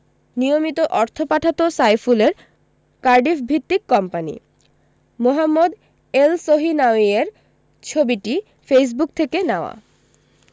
নিয়মিত অর্থ পাঠাত সাইফুলের কার্ডিফভিত্তিক কোম্পানি মোহাম্মদ এলসহিনাউয়ির ছবিটি ফেসবুক থেকে নেওয়া